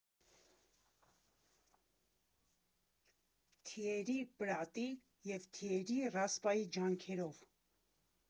Թիերի Պրատի և Թիերի Ռասպայի ջանքերով։